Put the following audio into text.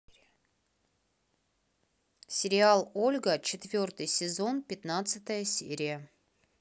сериал ольга четвертый сезон пятнадцатая серия